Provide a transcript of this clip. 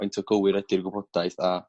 faint o gywir ydi'r gwybodaeth a